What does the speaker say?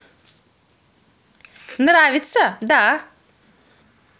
нравится да